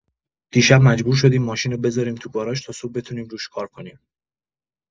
دیشب مجبور شدیم ماشینو بذاریم تو گاراژ تا صبح بتونیم روش کار کنیم.